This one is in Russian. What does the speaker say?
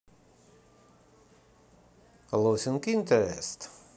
loosing interest